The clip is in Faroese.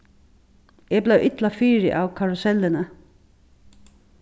eg bleiv illa fyri av karusellini